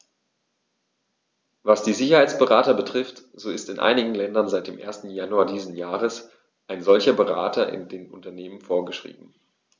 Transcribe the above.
Was die Sicherheitsberater betrifft, so ist in einigen Ländern seit dem 1. Januar dieses Jahres ein solcher Berater in den Unternehmen vorgeschrieben.